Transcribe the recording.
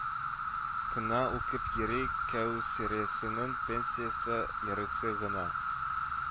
Кына укып йөри, кәүсәриясенең пенсиясе ярыйсы гына